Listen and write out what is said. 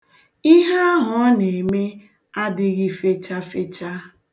Ihe ahụ ọ na-eme adịghị fechafecha.